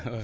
waa